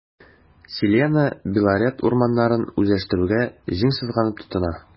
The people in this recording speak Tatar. “селена” белорет урманнарын үзләштерүгә җиң сызганып тотына.